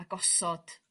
a gosod